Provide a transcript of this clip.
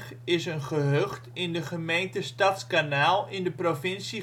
gehucht in de gemeente Stadskanaal in de provincie